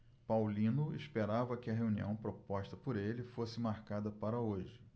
paulino esperava que a reunião proposta por ele fosse marcada para hoje